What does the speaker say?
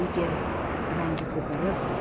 uyga rangi ko'karib